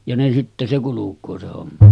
ja ne sitten se kulkee se homma